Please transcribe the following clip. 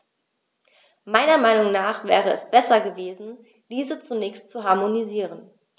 Meiner Meinung nach wäre es besser gewesen, diese zunächst zu harmonisieren.